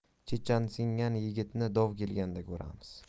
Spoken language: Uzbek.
chechansingan yigitni dov kelganda ko'ramiz